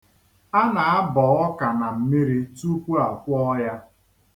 A na-aba ọka na mmiri tupu a kwọọ ya.